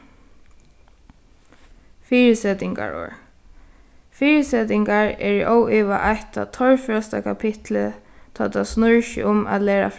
fyrisetingarorð fyrisetingar eru óivað eitt tað torførasta kapitlið tá tað snýr seg um at læra